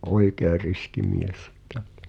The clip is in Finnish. oikein riski mies että